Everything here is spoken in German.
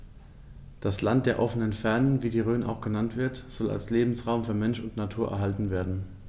Das „Land der offenen Fernen“, wie die Rhön auch genannt wird, soll als Lebensraum für Mensch und Natur erhalten werden.